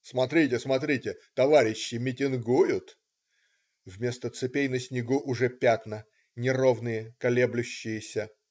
"Смотрите, смотрите, товарищи митингуют!" Вместо цепей на снегу уже пятна, неровные, колеблющиеся.